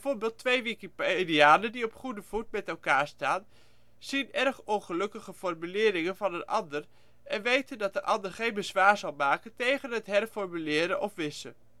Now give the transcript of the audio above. twee wikipedianen die op goede voet met elkaar staan, zien erg ongelukkige formuleringen van de ander en weten dat de ander geen bezwaar zal maken tegen een herformuleren of wissen. Alle